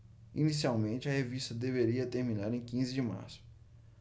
inicialmente a revisão deveria terminar em quinze de março